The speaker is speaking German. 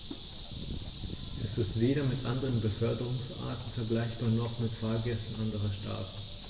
Er ist weder mit anderen Beförderungsarten vergleichbar, noch mit Fahrgästen anderer Staaten.